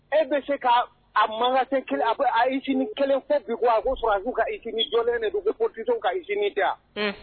E bɛ se ka a magasin ke a k a usine 1 fɔ bi ko a ko surasiw ka usine jɔlen de don ko politicien u ka usine tɛ a unhun